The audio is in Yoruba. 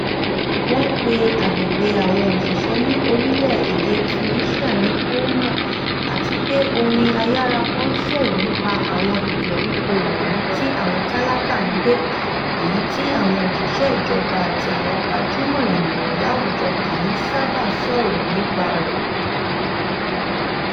Wọ́n ń pe agbègbè àwọn òṣìṣẹ́ ní orílẹ̀ èdè Tunisia ní Houma... Àtipé orin ayárakọ ń sọ̀rọ̀ nípa àwọn ìgbèríko wọ̀nyí tí àwọn tálákà ń gbé, èyí tí àwọn òṣìṣẹ́ ìjọba àti àwọn gbajúmọ̀ ènìyàn láwùjọ kìí sábà sọ̀rọ̀ nípa rẹ̀.